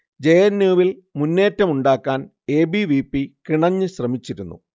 J. N. U. വിൽ മുന്നേറ്റം ഉണ്ടാക്കാൻ എ. ബി. വി. പി കിണഞ്ഞ് ശ്രമിച്ചിരുന്നു